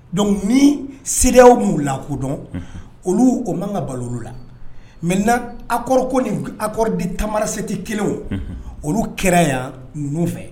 Dɔnkuc ni seya mun la kodɔn olu o man ka balo la mɛ na a kɔrɔ ko ni a kɔrɔ de tamara sete kelen olu kɛra yan ninnu fɛ